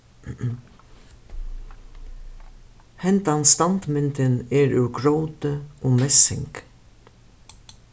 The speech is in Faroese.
hendan standmyndin er úr gróti og messing